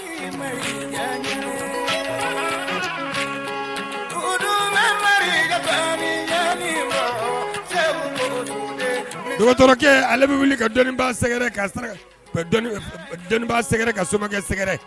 docteur ale bɛ wuli ka dɔnni sɛgɛrɛ, ka dɔnni sɛgɛrɛ, ka somakɛ sɛgɛrɛ